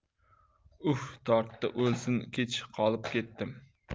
uf tortdi o'lsin kech qolib ketdim